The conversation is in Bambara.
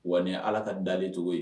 Wa ala ka da cogo ye